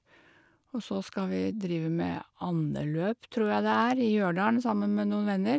Og så skal vi drive med andeløp, tror jeg det er, i Ljørdalen sammen med noen venner.